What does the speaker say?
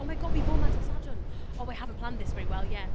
Oh my God, fi fod 'ma dydd Sadwrn! Oh, I haven't planned this very well, yeah.